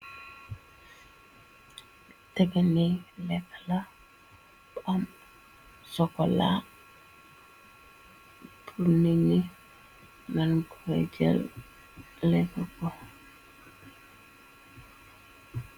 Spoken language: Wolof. Tegge ni lekk la, bu am sokola, pur niiñi man koy jël lekka ko.